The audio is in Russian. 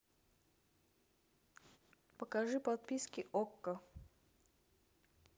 покажи подписки окко